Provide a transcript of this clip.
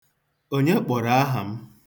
Onye kpọrọ aha m?